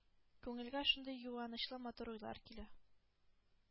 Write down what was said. Күңелгә шундый юанычлы матур уйлар килә.